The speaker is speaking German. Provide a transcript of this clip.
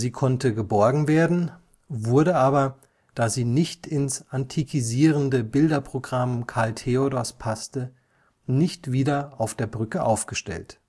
konnte geborgen werden, wurde aber, da sie nicht ins antikisierende Bilderprogramm Karl Theodors passte, nicht wieder auf der Brücke aufgestellt